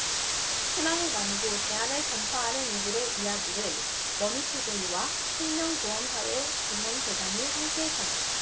희망을 나누고 대안을 전파하는 이들의 이야기를 머니투데이와 생명보험사회공헌재단이 함께 전한다